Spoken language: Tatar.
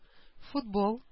Футбол